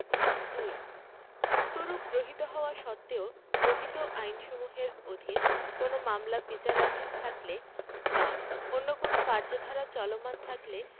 ২ উক্তরূপ রহিত হওয়া সত্ত্বেও রহিত আইনসমূহের অধীন কোন মামলা বিচারাধীন থাকলে বা অন্য কোন কার্যধারা চলমান থাকলে